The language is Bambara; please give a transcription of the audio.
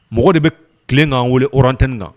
Mɔgɔw de bɛ tile ka n weele hors entenne na.